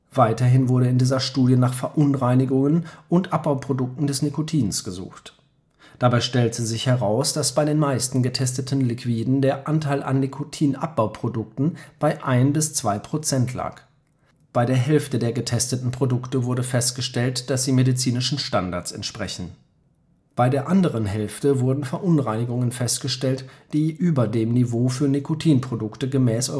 Weiterhin wurde in dieser Studie nach Verunreinigungen und Abbauprodukten des Nikotins gesucht. Dabei stellte sich heraus, dass bei den meisten getesteten Liquiden der Anteil an Nikotinabbauprodukten bei ein bis zwei Prozent lag. Bei der Hälfte der getesteten Produkte wurde festgestellt, dass sie medizinischen Standards entsprachen. Bei der anderen Hälfte wurden Verunreinigungen festgestellt, die über dem Niveau für Nikotin-Produkte gemäß